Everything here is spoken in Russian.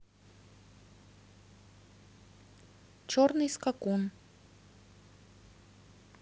черный скакун